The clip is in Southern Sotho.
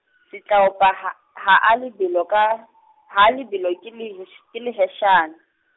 Setlaopa ha ha a lebelo ka, ha lebelo ke le hesh- ke leheshane.